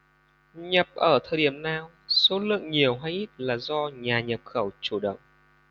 nhập ở thời điểm nào số lượng nhiều hay ít là do nhà nhập khẩu chủ động